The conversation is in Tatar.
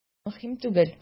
Мөһим түгел.